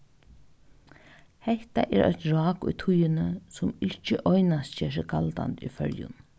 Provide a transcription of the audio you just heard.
hetta er eitt rák í tíðini sum ikki einans ger seg galdandi í føroyum